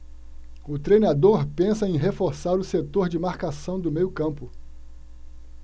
o treinador pensa em reforçar o setor de marcação do meio campo